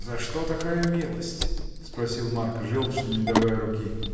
— За что такая милость, — спросил Марк желчно, не давая руки.